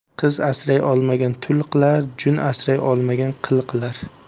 qiz asray olmagan tul qilar jun asray olmagan qil qilar